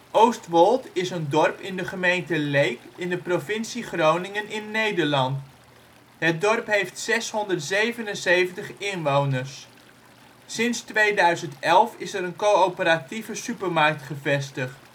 Oostwold is een dorp in de gemeente Leek in de provincie Groningen in Nederland. Het dorp heeft 677 inwoners. Sinds 2011 is er een coöperatieve supermarkt gevestigd